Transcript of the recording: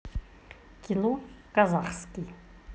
кино казахский